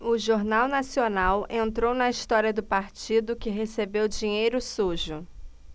o jornal nacional entrou na história do partido que recebeu dinheiro sujo